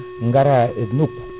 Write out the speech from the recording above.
gara e nokku